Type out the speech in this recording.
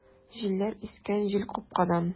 Җилләр искән җилкапкадан!